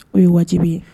O ye wajibi ye